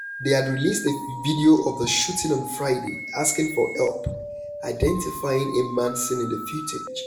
They had released a video of the shooting on Friday, asking for help identifying a man seen in the footage.